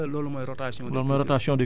xam nga loolu mooy rotation des cultures